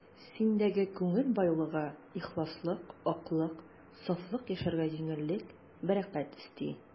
Синдәге күңел байлыгы, ихласлык, аклык, сафлык яшәргә җиңеллек, бәрәкәт өсти.